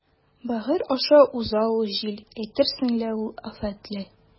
Бәгырь аша уза ул җил, әйтерсең лә ул афәтле.